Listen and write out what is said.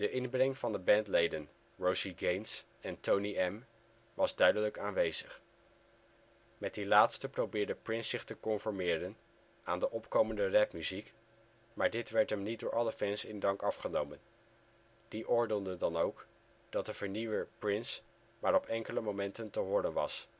inbreng van de bandleden Rosie Gaines en Tony M was duidelijk aanwezig. Met die laatste probeerde Prince zich te conformeren aan de opkomende rapmuziek, maar dit werd hem niet door alle fans in dank afgenomen. Die oordeelden dan ook dat de vernieuwer Prince maar op enkele momenten te horen was